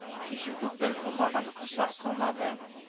Кичү-күпер булмаган кышлак калмады